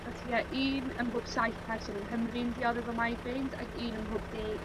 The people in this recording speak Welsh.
ma' tua un ym mhob saith person yng Nghymru'n diodde 'fo migraines ac un ym mhob deg